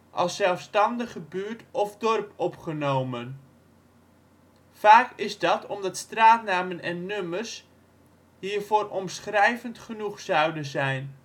als zelfstandige buurt of dorp opgenomen. Vaak is dat omdat straatnamen en nummers hiervoor omschrijvend genoeg zouden zijn